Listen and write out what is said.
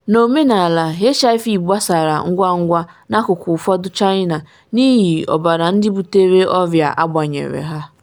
N’omenala, HIV gbasara ngwangwa n’akụkụ ụfọdụ China n’ihi ọbara ndị butere ọrịa agbanyere ha.